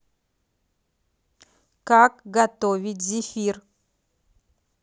как готовить зефир